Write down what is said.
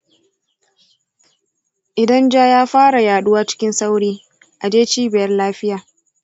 idan ja ya fara yaduwa cikin sauri, a je cibiyar lafiya.